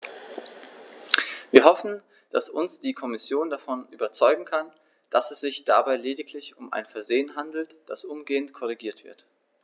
Wir hoffen, dass uns die Kommission davon überzeugen kann, dass es sich dabei lediglich um ein Versehen handelt, das umgehend korrigiert wird.